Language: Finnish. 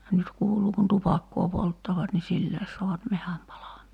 nyt kuuluu kun tupakkaa polttavat niin sillä saavat metsän palamaan